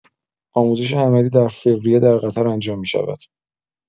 آموزش عملی در فوریه در قطر انجام می‌شود.